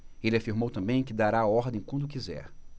ele afirmou também que dará a ordem quando quiser